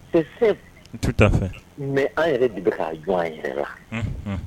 C'est faible, tout à fait, mais an yɛrɛ de k'a jɔn an yɛrɛ la, unhun